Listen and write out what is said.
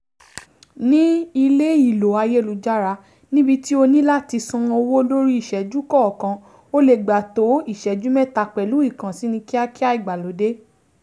Ní ilé ìlò ayélujára, níbi tí o ní láti san owó lórí ìṣẹ́jú kọ̀ọ̀kan, ó le gbà tó ìṣẹ́jú mẹ́ta pẹ̀lú ìkànsíni kíákíá ìgbàlódé